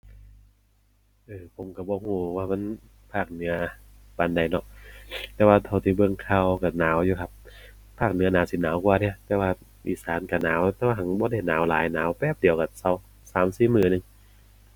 เออ ผมก็บ่ก็ว่ามันภาคเหนือปานใดเนาะ แต่ว่าเท่าที่เบิ่งข่าวก็หนาวอยู่ครับ ภาคเหนือน่าสิหนาวกว่าเดะ แต่ว่าอีสานก็หนาว แต่ว่าหั้นบ่ได้หนาวหลาย หนาวแป๊บเดียวก็เซา สามสี่มื้อหนึ่ง